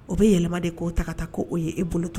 O bɛ yɛlɛma de ko tata ko o ye e bolo tuguni